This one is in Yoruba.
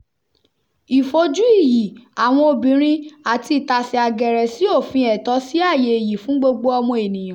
Ìfojú iyì àwọn obìnrin àti ìtasẹ̀ àgẹ̀rẹ̀ sí òfin ẹ̀tọ́ sí ayé iyì fún gbogbo ọmọ ènìyàn.